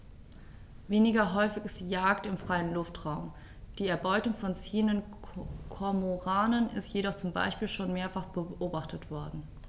Weniger häufig ist die Jagd im freien Luftraum; die Erbeutung von ziehenden Kormoranen ist jedoch zum Beispiel schon mehrfach beobachtet worden.